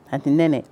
Ha tɛ nɛnɛ